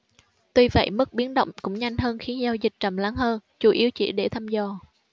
tuy vậy mức biến động cũng nhanh hơn khiến giao dịch trầm lắng hơn chủ yếu chỉ để thăm dò